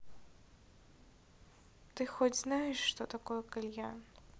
ты хоть знаешь что такое кальян